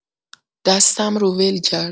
دستم رو ول کرد.